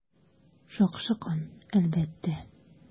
Шакшы кан, әлбәттә.